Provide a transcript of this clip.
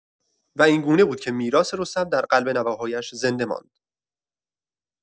و این‌گونه بود که میراث رستم، در قلب نوه‌هایش زنده ماند.